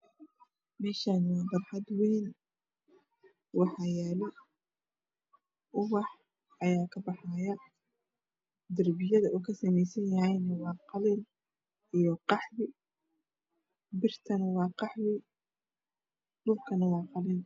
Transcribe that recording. Meeshaani waa barxad wayn waxaa yaala ubax ayaa kabaxaayo darbiyada uu kasameysan yahayna waa qalin, birtana waa qaxwi, dhulkuna waa qalin.